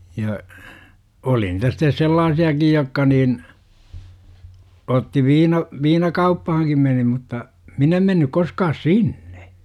ja oli niitä sitten sellaisiakin jotka niin otti - viinakauppaankin meni mutta minä en mennyt koskaan sinne